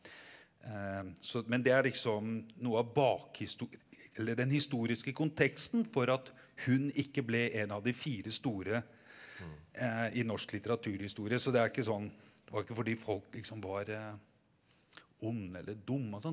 så men det er liksom noe av eller den historiske konteksten for at hun ikke ble en av de fire store i norsk litteraturhistorie, så det er ikke sånn det var ikke fordi folk liksom var onde eller dumme og sånn.